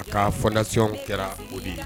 A ka fondation kɛra o de ye.